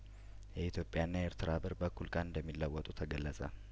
የኢትዮጵያ ና የኤርትራ ብር በእኩል ቀን እንደሚለወጡ ተገለጸ